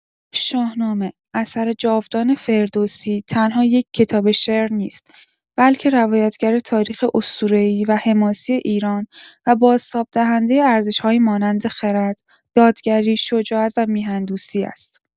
شاهنامه، اثر جاودان فردوسی، تنها یک کتاب شعر نیست، بلکه روایتگر تاریخ اسطوره‌ای و حماسی ایران و بازتاب‌دهنده ارزش‌هایی مانند خرد، دادگری، شجاعت و میهن‌دوستی است.